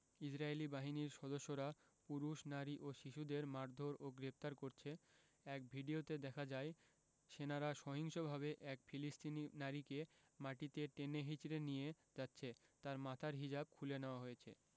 ইসরাইলী বাহিনীর সদস্যরা পুরুষ নারী ও শিশুদের মারধোর ও গ্রেফতার করছে এক ভিডিওতে দেখা যায় সেনারা সহিংসভাবে এক ফিলিস্তিনি নারীকে মাটিতে টেনে হেঁচড়ে নিয়ে যাচ্ছে তার মাথার হিজাব খুলে নেওয়া হয়েছে